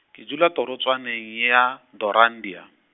ke dula torotswaneng ya, Dorandia.